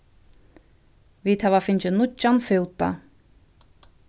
vit hava fingið nýggjan fúta